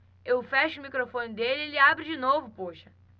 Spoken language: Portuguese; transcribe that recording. eu fecho o microfone dele ele abre de novo poxa